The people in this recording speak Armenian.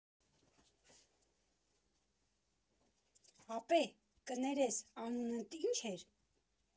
Ապե, կներես, անունդ ինչ է՞ր։